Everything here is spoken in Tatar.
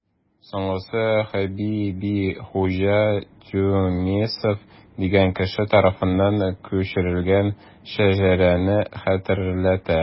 Соңгысы Хөббихуҗа Тюмесев дигән кеше тарафыннан күчерелгән шәҗәрәне хәтерләтә.